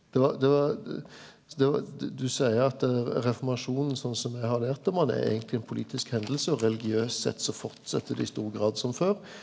det var det var altså det du seier at reformasjonen sånn som me har lært om han er eigentleg ein politisk hending og religiøst sett så fortset dei i stor grad som før.